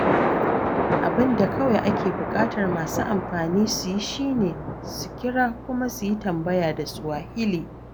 Abin da kawai ake buƙatar masu amfani su yi shi ne, su kira kuma su yi tambaya da Swahili.